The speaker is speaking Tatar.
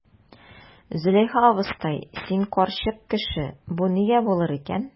Зөләйха абыстай, син карчык кеше, бу нигә булыр икән?